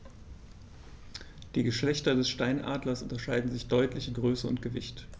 Die Geschlechter des Steinadlers unterscheiden sich deutlich in Größe und Gewicht.